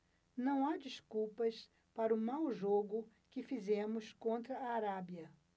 não há desculpas para o mau jogo que fizemos contra a arábia